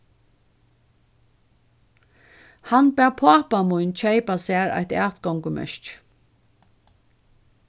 hann bað pápa mín keypa sær eitt atgongumerki